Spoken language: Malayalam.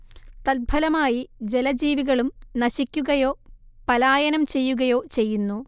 തത്ഫലമായി ജലജീവികളും നശിക്കുകയോ പലായനം ചെയ്യുകയോ ചെയ്യുന്നു